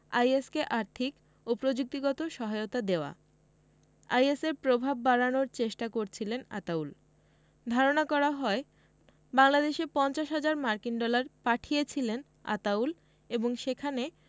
is কে আর্থিক ও প্রযুক্তিগত সহায়তা দেওয়া আইএসের প্রভাব বাড়ানোর চেষ্টা করছিলেন আতাউল ধারণা করা হয় ২০১৫ সালের ডিসেম্বরে বাংলাদেশে ৫০ হাজার মার্কিন ডলার পাঠিয়েছিলেন আতাউল এবং সেখানে